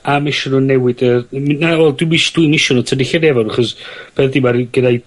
A ma' isio nw newid yr m- na wel dwi'm ish- dwi'm isio nw tynnu llunia' i fewn achos gneud